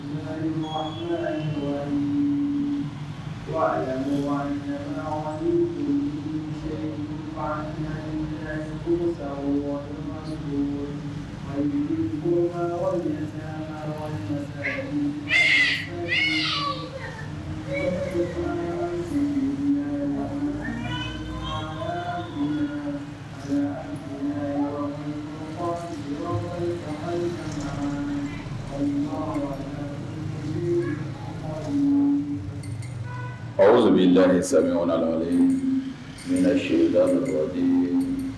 Ɔ muso dɔn ni sami o la bɛna se ye